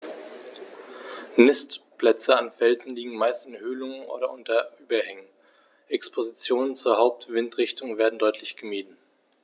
Nistplätze an Felsen liegen meist in Höhlungen oder unter Überhängen, Expositionen zur Hauptwindrichtung werden deutlich gemieden.